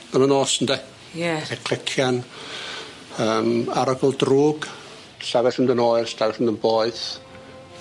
yn y nos ynde? Ie. Ma' clecian yym arogl drwg, stafell mynd yn oer stafell yn mynd yn boeth.